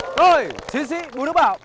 tôi chiến sĩ bùi đức bảo